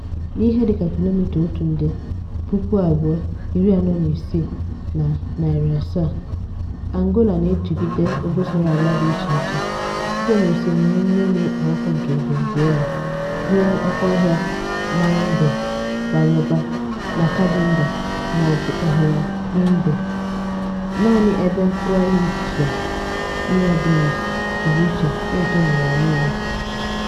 N'ihe dịka 1,246,700 km2, Angola na-ejigide obosaraala dị icheiche, site n'osimiri mmiri na-ekpo ọkụ nke Benguela ruo okéọhịa Maiombe bara ụba na Cabinda maọbụ ọzara Namibe, naanị ebe welwitschia mirabilis pụrụ iche na-eto n'ụwa niile.